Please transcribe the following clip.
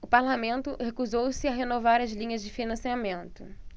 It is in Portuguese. o parlamento recusou-se a renovar as linhas de financiamento